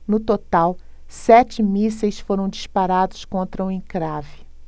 no total sete mísseis foram disparados contra o encrave